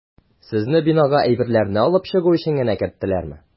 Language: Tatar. Сезне бинага әйберләрне алып чыгу өчен генә керттеләрме?